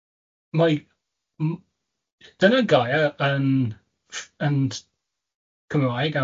Mae m-... Dyna gair yn ff-, yn t- Cymraeg yym